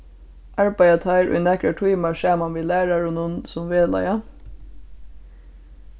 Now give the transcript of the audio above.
arbeiða teir í nakrar tímar saman við lærarunum sum vegleiða